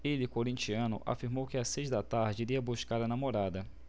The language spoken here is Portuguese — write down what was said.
ele corintiano afirmou que às seis da tarde iria buscar a namorada